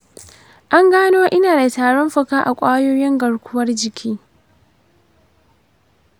an gano ina da tarin fuka a ƙwayoyin garkuwar jiki.